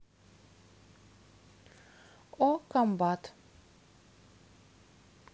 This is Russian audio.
о комбат